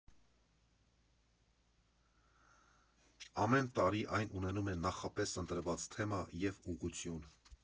Ամեն տարի տարի այն ունենում է նախապես ընտրված թեմա և ուղղություն։